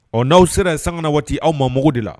Ɔ n'aw sera san na waati aw ma mugu de la